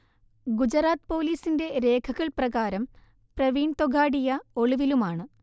ഗുജറാത്ത് പോലീസിന്റെ രേഖകൾപ്രകാരം പ്രവീൺ തൊഗാഡിയ ഒളിവിലുമാണ്